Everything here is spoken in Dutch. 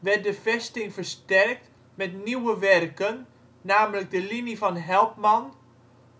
werd de vesting versterkt met ' Nieuwe Werken ', namelijk de Linie van Helpman,